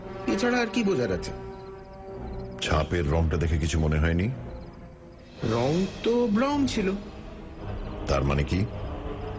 এ ছাড়া আর কী বোঝার আছে ছাপের রংটা দেখে কিছু মনে হয়নি রং তো ব্রাউন ছিল তার মানে কী